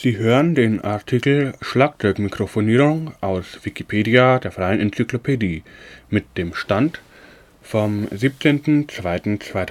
hören den Artikel Schlagzeugmikrofonierung, aus Wikipedia, der freien Enzyklopädie. Mit dem Stand vom Der